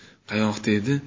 qayoqda edi